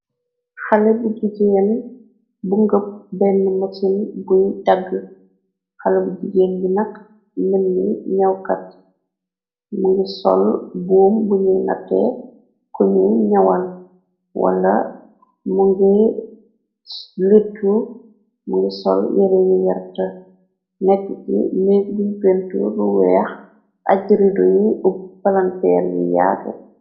Xale bu jigeen bu ngëpp benn mësin buy tàgg xalé bu jigéen yi naq menni ñawkat mngi sol buum buñuy nate kuñuy ñawal wala mu ngi litu m ngi sol yereyi yert nekk ci ne buñ pentu ru weex aj rido yi ub palanteer yi yaate.